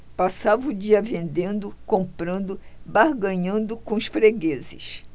passava o dia vendendo comprando barganhando com os fregueses